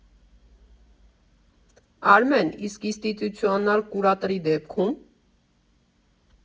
Արմեն, իսկ ինստիտուցիոնալ կուրատորի դեպքո՞ւմ։